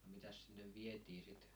mitäs sinne vietiin sitten